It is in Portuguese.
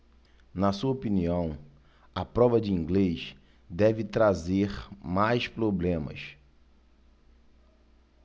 na sua opinião a prova de inglês deve trazer mais problemas